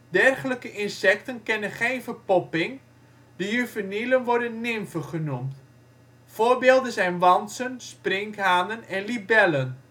Dergelijke insecten kennen geen verpopping, de juvenielen worden nimfen genoemd. Voorbeelden zijn wantsen, sprinkhanen en libellen